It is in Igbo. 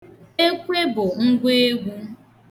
Ekwe bụ ngwa egwu.